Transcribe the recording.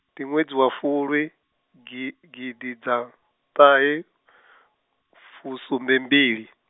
ndi ṅwedzi wa fulwi, gi gidiḓaṱahefusumbembili.